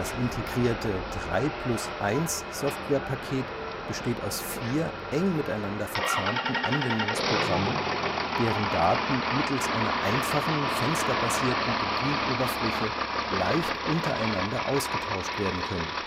integrierte 3-plus-1-Softwarepaket besteht aus vier eng miteinander verzahnten Anwendungsprogrammen, deren Daten mittels einer einfachen fensterbasierten Bedienoberfläche leicht untereinander ausgetauscht werden können